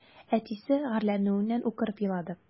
Әтисе гарьләнүеннән үкереп елады.